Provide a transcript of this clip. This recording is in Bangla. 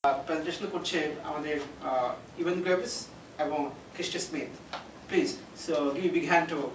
প্রেসেন্টেশন করছে আমাদের ইভান পেরাবিজ এবং Christian Smith so please give a hand two